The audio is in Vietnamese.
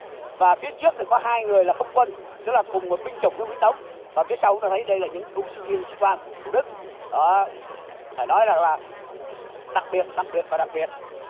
và phía trước thì có hai người là không quân tức là cùng một binh chủng với ông lý tống và phía sau chúng ta thấy đây là những cựu sinh viên sĩ quan của đức đó phải nói rằng là đặc biệt đặc biệt và đặc biệt